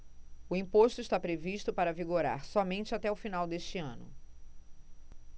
o imposto está previsto para vigorar somente até o final deste ano